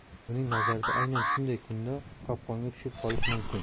uning nazarida aynan shunday kunda qopqonga tushib qolish mumkin